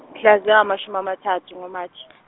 mhlazingamashumi amathatu ngo- March .